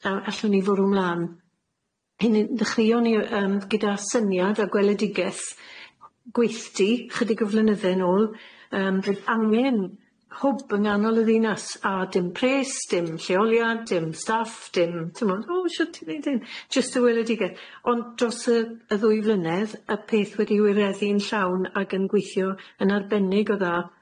A allwn ni fwrw mlan hynny. Cyn 'ni ddychrio ni yy yym gyda syniad a gweledigeth gweithdi chydig o flynydde nôl yym fydd angen hwb ynganol y ddinas a dim pres dim lleoliad dim staff dim t'mod o shwt i neid hyn, jyst y weledigeth ond dros y y ddwy flynedd y peth wedi wyreddi'n llawn ag yn gweithio yn arbennig o dda